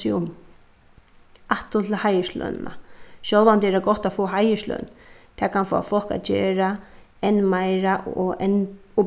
seg um aftur til heiðurslønina sjálvandi er tað gott at fáa heiðursløn tað kann fáa fólk at gera enn meira og enn